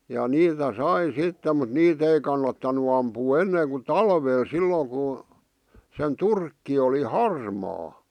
ja niitä sai sitten mutta niitä ei kannattanut ampua ennen kuin talvella silloin kun sen turkki oli harmaa